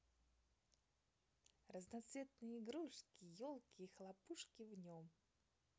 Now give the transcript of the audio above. разноцветные игрушки елки и хлопушки в нем